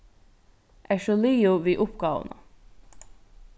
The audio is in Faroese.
ert tú liðug við uppgávuna